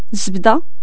زبدة